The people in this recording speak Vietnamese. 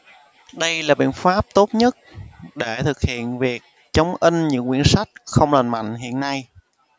đây là biện pháp tốt nhất để thực hiện việc chống in những quyển sách không lành mạnh hiện nay